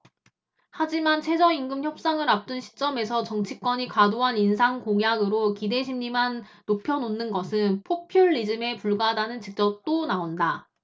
하지만 최저임금 협상을 앞둔 시점에서 정치권이 과도한 인상 공약으로 기대심리만 높여놓는 것은 포퓰리즘에 불과하다는 지적도 나온다